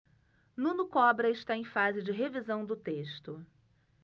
nuno cobra está em fase de revisão do texto